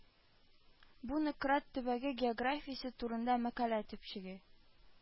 Бу Нократ төбәге географиясе турында мәкалә төпчеге